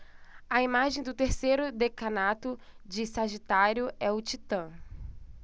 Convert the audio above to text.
a imagem do terceiro decanato de sagitário é o titã